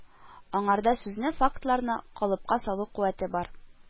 Аңарда сүзне, фактларны калыпка салу куәте бар